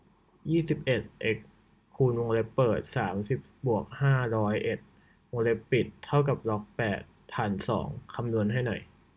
ยี่สิบเอ็ดเอ็กซ์คูณวงเล็บเปิดสามสิบบวกห้าร้อยเอ็ดวงเล็บปิดเท่ากับล็อกแปดฐานสองคำนวณให้หน่อย